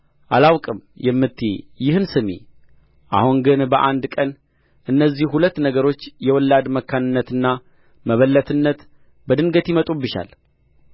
አላውቅም የምትዪ ይህን ስሚ አሁን ግን በአንድ ቀን እነዚህ ሁለት ነገሮች የወላድ መካንነትና መበለትነት በድንገት ይመጡብሻል